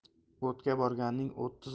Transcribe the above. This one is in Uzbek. o'tga borganning o'ttiz